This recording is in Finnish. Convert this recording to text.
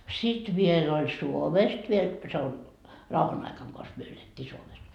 sitten vielä oli Suomesta vielä se on rauhan aikana koska me elettiin Suomessa